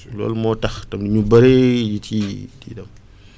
loolu moo tax tamit ñu bëri ci di dem